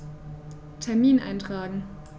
Termin eintragen